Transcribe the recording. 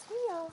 Diolch!